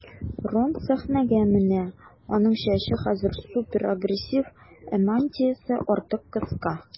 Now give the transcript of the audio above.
Рон сәхнәгә менә, аның чәче хәзер суперагрессив, ә мантиясе артык кыска.